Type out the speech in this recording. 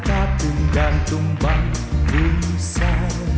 đàn tung bay vui say